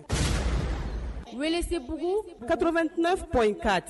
Wuli sebugu katometuma fɔ in k'a